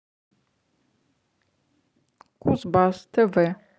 кузбасс тв